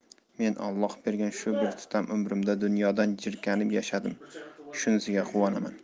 men olloh bergan shu bir tutam umrimda dunyodan jirkanib yashadim shunisiga quvonaman